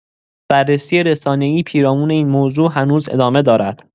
بررسی رسانه‌ای پیرامون این موضوع هنوز ادامه دارد.